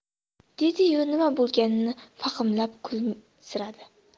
dedi yu nima bo'lganini fahmlab kulimsiradi